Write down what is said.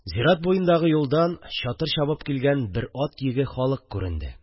Зират буендагы юлдан чатыр чабып килгән бер ат йөге халык күренде